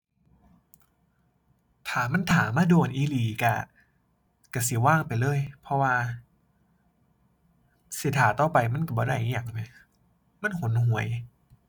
ถ้ามันท่ามาโดนอีหลีก็ ก็สิวางไปเลย เพราะว่าสิท่าต่อไปมันก็บ่ได้อิหยังอะแหม มันหนหวย